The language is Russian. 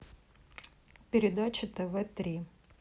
передачи тв три